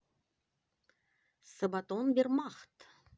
сабатон вермахт